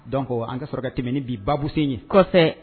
Donc an ka sɔrɔ ka tɛmɛ ni bi babu sen ye